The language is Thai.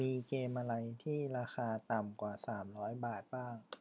มีเกมอะไรที่ราคาต่ำกว่าสามร้อยบาทบ้าง